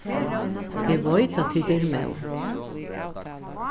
eg veit at tit eru móð